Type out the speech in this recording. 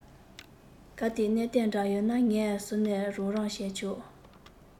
གལ ཏེ གནད དོན འདྲ ཡོད ན ངས ཟུར ནས རོགས རམ བྱས ཆོག